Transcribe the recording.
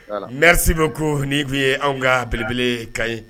Merisibe ko n tun ye anw ka belebele ka